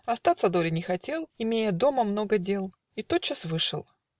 Остаться доле не хотел, Имея дома много дел, И тотчас вышел